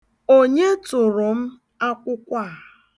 Onye tụrụ m akwụkwọ a?